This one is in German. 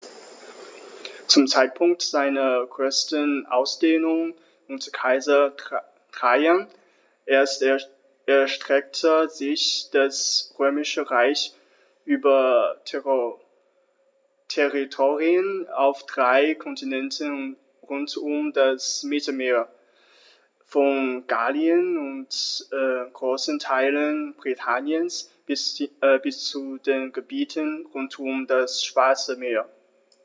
Zum Zeitpunkt seiner größten Ausdehnung unter Kaiser Trajan erstreckte sich das Römische Reich über Territorien auf drei Kontinenten rund um das Mittelmeer: Von Gallien und großen Teilen Britanniens bis zu den Gebieten rund um das Schwarze Meer.